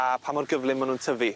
a pa mor gyflym my' nw'n tyfu.